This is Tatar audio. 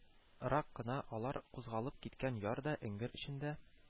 Рак кына алар кузгалып киткән яр да, эңгер эчендә